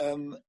Yym